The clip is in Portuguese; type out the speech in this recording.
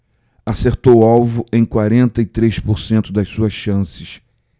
acertou o alvo em quarenta e três por cento das suas chances